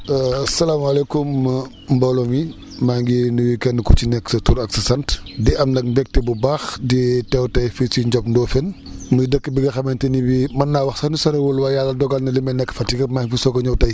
salaamaaleykum mbooloo mi maa ngi leen di nuyu kenn ku ci nekk sa tur ak sa sant di am nag mbégte bu baax di teew tey fii ci Ndiob Ndofène muy dëkk bi nga xamante ni bii mën naa wax sax ni soriwul waaye yàlla dogal na li may nekk Fatick yëpp maa ngi fiy soog a ñëw tey